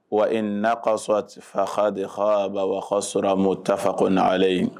Wa in n'a ka sɔrɔ ati fa ha de harabaa sɔrɔ a'tafa ko ale ye